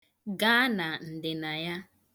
Gaa na ndịna ya.